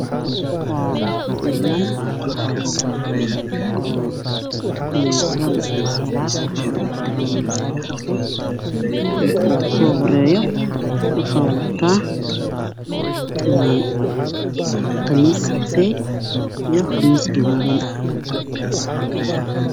Waa niman tukaneyso salaad oo dhex taagan masaajidka, ninka ugu soo horeeyo waxuu wataa qamiis gaduudan.